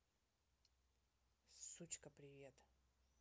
сучка привет